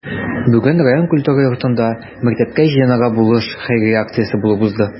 Бүген район культура йортында “Мәктәпкә җыенырга булыш” хәйрия акциясе булып узды.